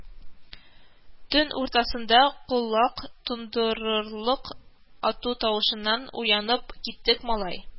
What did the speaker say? Төн уртасында колак тондырырлык ату тавышыннан уянып киттек, малай